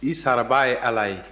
i sarabaa ye ala ye